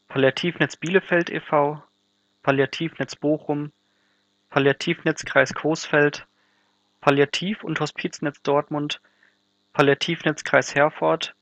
Palliativnetz Bielefeld e. V. Palliativnetz Bochum Palliativnetz Kreis Coesfeld Palliativ - und Hospiznetz Dortmund Palliativnetz Kreis Herford